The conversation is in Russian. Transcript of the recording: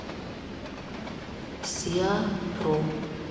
сеа про